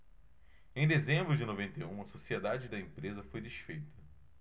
em dezembro de noventa e um a sociedade da empresa foi desfeita